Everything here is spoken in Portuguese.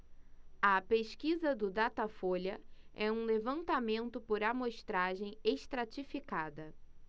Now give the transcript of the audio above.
a pesquisa do datafolha é um levantamento por amostragem estratificada